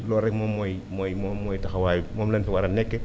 loolu rek moom mooy mooy mooy taxawaay moom lañu fi war a nekkee